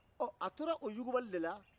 ɔ a tora o yugubali le la